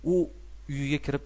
u uyiga kirib